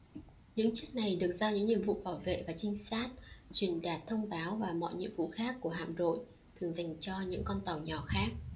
những chiếc này được giao những nhiệm vụ bảo vệ và trinh sát truyền đạt thông báo và mọi nhiệm vụ khác của hạm đội thường dành cho những con tàu nhỏ khác